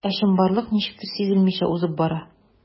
Ә чынбарлык ничектер сизелмичә узып бара.